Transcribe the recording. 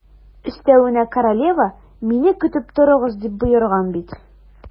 Өстәвенә, королева: «Мине көтеп торыгыз», - дип боерган бит.